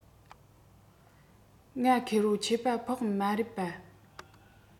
ང ཁེར བོར ཆད པ ཕིག མ རེད པ